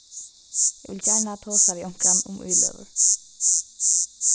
eg vil gjarna tosa við onkran um íløgur